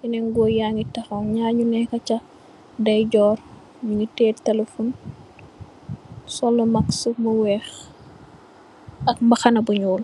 yanen goor yangi taxaw, ñaar ñu neka cha nday joor, ñungi tiyee telephone, solu maksu bu weex ak mbaxana bu ñuul.